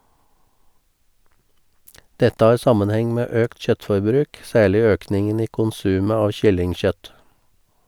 Dette har sammenheng med økt kjøttforbruk, særlig økningen i konsumet av kyllingkjøtt.